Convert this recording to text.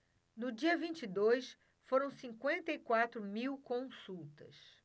no dia vinte e dois foram cinquenta e quatro mil consultas